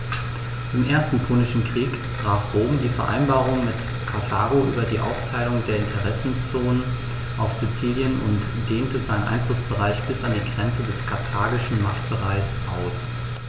Im Ersten Punischen Krieg brach Rom die Vereinbarung mit Karthago über die Aufteilung der Interessenzonen auf Sizilien und dehnte seinen Einflussbereich bis an die Grenze des karthagischen Machtbereichs aus.